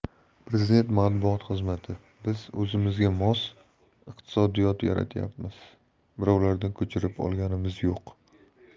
prezident matbuot xizmatibiz o'zimizga mos iqtisodiyot yaratyapmiz birovlardan ko'chirib olganimiz yo'q